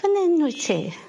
Fan 'yn wyt ti.